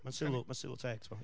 Mae'n sylw, mae'n sylw teg tibod ia